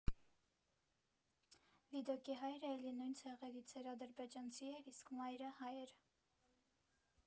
Վիդոկի հայրը էլի նույն ցեղերից էր, ադրբեջանցի էր, իսկ մայրը հայ էր։